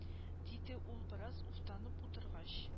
Диде ул бераз уфтанып утыргач